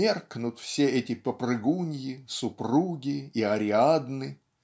меркнут все эти попрыгуньи супруги и Ариадны